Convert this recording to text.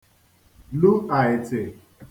lu àịtị̀